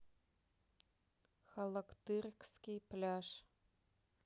халактырский пляж